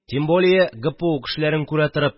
Тем более, ГПУ кешеләрен күрә торып